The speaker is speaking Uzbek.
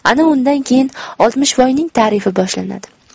ana undan keyin oltmishvoyning tarifi boshlanadi